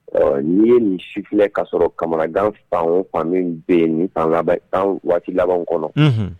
Ɔ n'i ye nin si filɛ ka sɔrɔ kamamanagan fan fan bɛ yen waati laban kɔnɔ